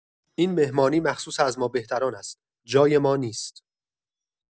این مهمانی مخصوص از ما بهتران است، جای ما نیست!